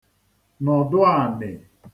nòdụ̀ àla